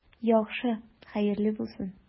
Яхшы, хәерле булсын.